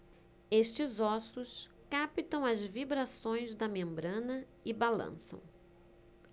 estes ossos captam as vibrações da membrana e balançam